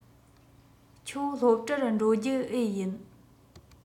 ཁྱོད སློབ གྲྭར འགྲོ རྒྱུ འེ ཡིན